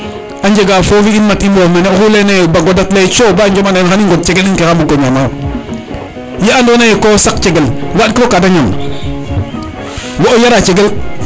a njega fofi in mat i moof mene oxu ley naye bo godad leye co mba njom ana in xa i ngod cegel in ke xa mbuko ñama yo ye ando naye ko saq cegel wand kiro kade ñam na wo o yara cegel